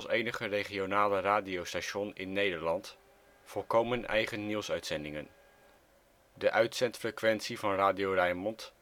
enige regionale radiostation in Nederland volkomen eigen nieuwsuitzendingen. De uitzendfrequentie van Radio Rijnmond